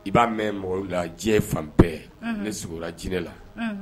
I b'a mɛn mɔgɔw da diɲɛ fan bɛɛ,. Un! Ne sukora jinɛ la. Unhun!